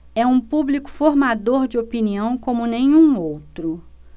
é um público formador de opinião como nenhum outro